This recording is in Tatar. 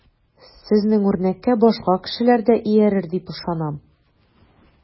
Сезнең үрнәккә башка кешеләр дә иярер дип ышанам.